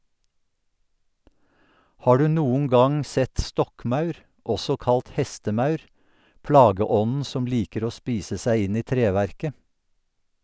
Har du noen gang sett stokkmaur, også kalt hestemaur, plageånden som liker å spise seg inn i treverket?